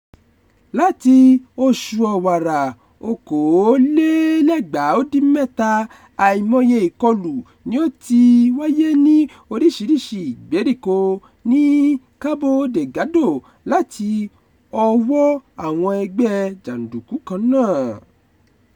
Láti oṣù Ọ̀wàrà 2017, àìmọye ìkọlù ni ó ti wáyé ní oríṣiríṣìí ìgbèríko ní Cabo Delgado láti ọwọ́ àwọn ẹgbẹ́ jàndùkú kan náà.